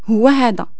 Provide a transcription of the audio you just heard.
هوا هدا